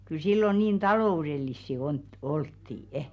kyllä silloin niin taloudellisia - oltiin